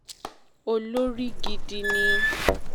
Olórí gidi ni.